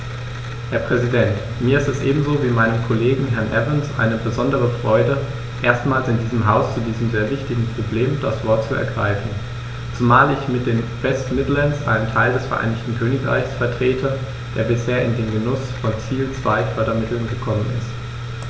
Herr Präsident, mir ist es ebenso wie meinem Kollegen Herrn Evans eine besondere Freude, erstmals in diesem Haus zu diesem sehr wichtigen Problem das Wort zu ergreifen, zumal ich mit den West Midlands einen Teil des Vereinigten Königreichs vertrete, der bisher in den Genuß von Ziel-2-Fördermitteln gekommen ist.